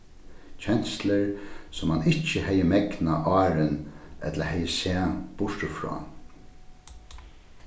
kenslur sum hann ikki hevði megnað áðrenn ella hevði sæð burtur frá